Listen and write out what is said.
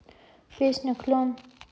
песня клен